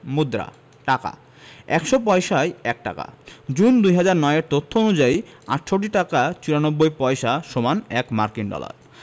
মুদ্রাঃ টাকা ১০০ পয়সায় ১ টাকা জুন ২০০৯ এর তথ্য অনুযায়ী ৬৮ টাকা ৯৪ পয়সা = ১ মার্কিন ডলার